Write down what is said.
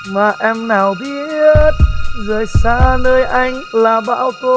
mà em nào biết rời xa nơi anh là bão tố